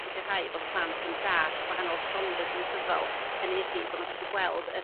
sicrhau bod plant yn dalld gwahanol genres ieithyddol hynny ydi bo' n'w'n gallu gweld yr